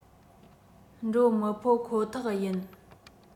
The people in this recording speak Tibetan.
འགྲོ མི ཕོད ཁོ ཐག ཡིན